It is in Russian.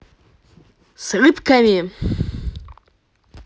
с рыбками